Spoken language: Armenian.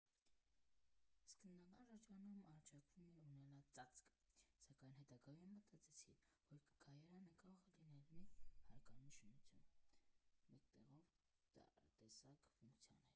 Սկզբնական շրջանում առաջարկվում էր ունենալ ծածկ, սակայն հետագայում մտածեցին, որ կայարանը կարող է լինել մեկ հարկանի շինություն՝ մեկտեղելով տարատեսակ ֆունկցիաներ։